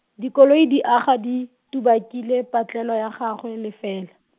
dikoloi di aga di, tubakile patlelo ya gagwe lefela.